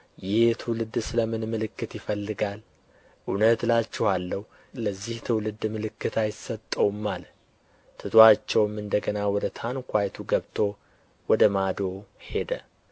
ይህ ትውልድ ስለ ምን ምልክት ይፈልጋል እውነት እላችኋለሁ ለዚህ ትውልድ ምልክት አይሰጠውም አለ ትቶአቸውም እንደ ገና ወደ ታንኳይቱ ገብቶ ወደ ማዶ ሄደ